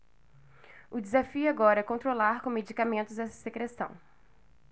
o desafio agora é controlar com medicamentos essa secreção